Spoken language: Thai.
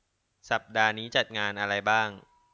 สัปดาห์นี้จัดงานอะไรบ้าง